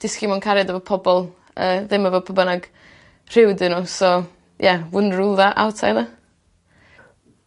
disgyn mewn cariad efo pobol yy ddim efo pw bynnag rhyw 'dyn n'w so ie wouldn't rule that out either.